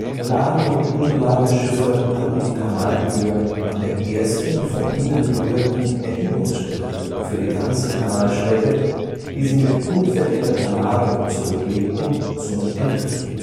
Beladene und unbeladene Schiffe hatten die Kanalgebühr an der ersten von ihnen berührten Erhebungsstelle für die ganze Kanalstrecke, die sie mit unveränderter Ladung zurücklegten, zu entrichten